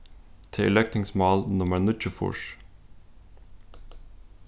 tað er løgtingsmál nummar níggjuogfýrs